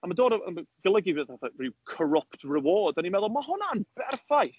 A ma'n dod o, golygu fatha ryw corrupt reward. A o'n i'n meddwl, ma' hwnna'n berffaith.